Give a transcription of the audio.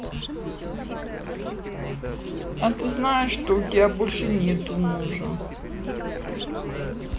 а ты знаешь что у тебя больше нету мужа